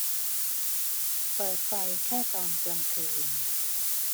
เปิดไฟแค่ตอนกลางคืน